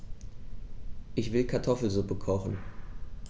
Ich will Kartoffelsuppe kochen.